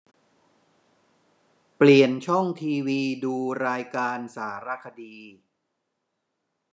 เปลี่ยนช่องทีวีดูรายการสารคดี